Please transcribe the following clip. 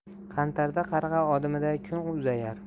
qantarda qarg'a odimiday kun uzayar